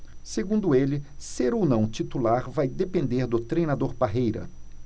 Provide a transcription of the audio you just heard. segundo ele ser ou não titular vai depender do treinador parreira